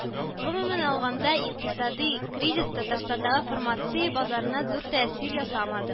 Гомумән алганда, икътисадый кризис Татарстандагы фармация базарына зур тәэсир ясамады